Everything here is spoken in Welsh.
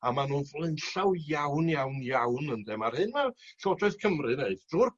A ma' nw'n flaenllaw iawn iawn iawn ynde ma'r hyn ma' llywodraeth Cymru ddeud drw'r